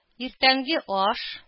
Иртәнге аш